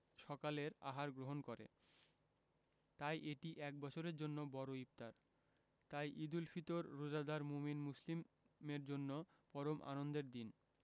সকালের আহার গ্রহণ করে তাই এটি এক বছরের জন্য বড় ইফতার তাই ঈদুল ফিতর রোজাদার মোমিন মুসলিমের জন্য পরম আনন্দের দিন